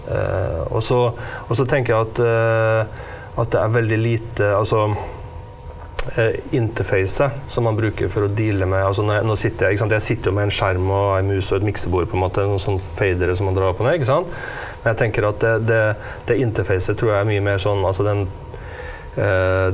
også også tenker jeg at at det er veldig lite altså interfacet som man bruker for å deale med, altså når jeg nå sitter jeg ikke sant jeg sitter jo med en skjerm og ei mus og et miksebord på en måte og noen sånn fadere som man drar opp og ned ikke sant, men jeg tenker at det det det interfacet tror jeg er mye mer sånn altså den .